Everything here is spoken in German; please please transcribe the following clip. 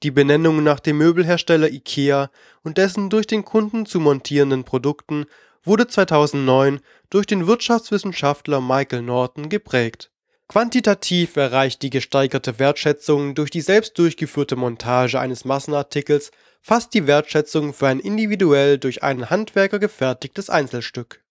Benennung nach dem Möbelhersteller IKEA und dessen durch den Kunden zu montierenden Produkten wurde 2009 durch den Wirtschaftswissenschaftler Michael Norton geprägt. Quantitativ erreicht die gesteigerte Wertschätzung durch die selbst durchgeführte Montage eines Massenartikels fast die Wertschätzung für ein individuell durch einen Handwerker gefertigtes Einzelstück